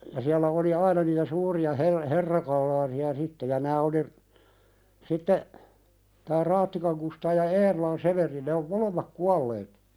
ja siellä oli aina niitä suuria - herrakalaasia sitten ja nämä oli sitten tämä Raattikan Kustaa ja Eerolan Severi ne on molemmat kuolleet